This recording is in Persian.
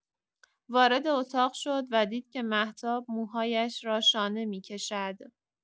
وارد اتاق شد و دید که مهتاب موهایش را شانه می‌کشد.